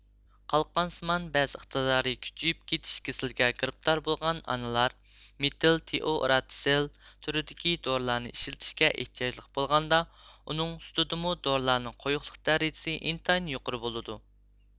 قالقانسىمان بەز ئىقتىدارى كۈچىيىپ كېتىش كېسىلىگە گىرىپتار بولغان ئانىلار مېتىل تىئوئۇراتسىل تۈرىدىكى دورىلارنى ئىشلىتىشكە ئېھتىياجلىق بولغاندا ئۇنىڭ سۈتىدىمۇ دورىلارنىڭ قويۇقلۇق دەرىجىسى ئىنتايىن يۇقىرى بولىدۇ